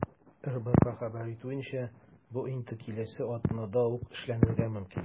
РБК хәбәр итүенчә, бу инде киләсе атнада ук эшләнергә мөмкин.